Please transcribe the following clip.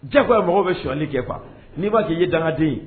Jɛ ko mɔgɔ bɛ shɔli kɛfa n'i b ba k'i ye dangaden